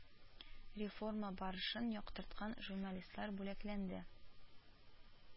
Реформа барышын яктырткан журналистлар бүләкләнде